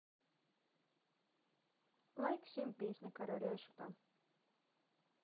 лайк семь песня короля и шута